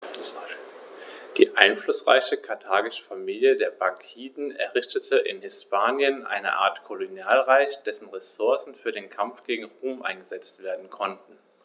Die einflussreiche karthagische Familie der Barkiden errichtete in Hispanien eine Art Kolonialreich, dessen Ressourcen für den Kampf gegen Rom eingesetzt werden konnten.